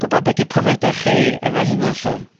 gwbo be' 'di profiada chi efo hyna 'lly.